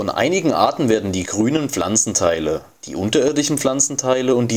einigen Arten werden die grünen Pflanzenteile, die unterirdischen Pflanzenteile und